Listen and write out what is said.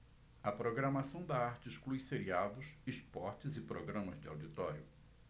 a programação da arte exclui seriados esportes e programas de auditório